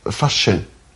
Yy fashion?